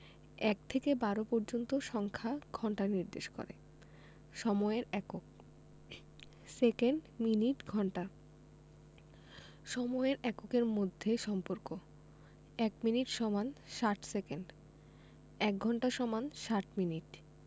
১ থেকে ১২ পর্যন্ত সংখ্যা ঘন্টা নির্দেশ করে সময়ের এককঃ সেকেন্ড মিনিট ঘন্টা সময়ের এককের মধ্যে সম্পর্কঃ ১ মিনিট = ৬০ সেকেন্ড ১ঘন্টা = ৬০ মিনিট